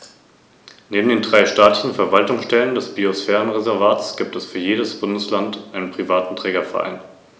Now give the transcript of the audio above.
An erster Stelle steht dabei der Gedanke eines umfassenden Naturschutzes.